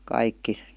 kaikki